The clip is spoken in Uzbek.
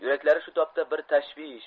yuraklari shu tobda bir tashvish